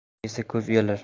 og'iz yesa ko'z uyalar